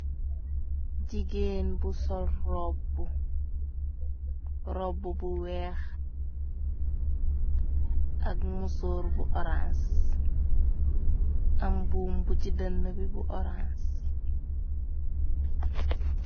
Jigéen bu sol robb bu weex ak musoor bu orance. Am buum bu ji dënn bi bu orance.